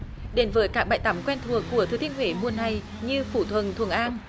đến với các bãi tắm quen thuộc của thừa thiên huế mùa này như phủ thuận thuận an